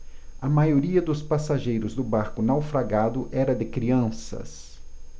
a maioria dos passageiros do barco naufragado era de crianças